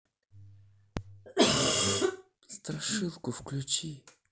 страшилку включи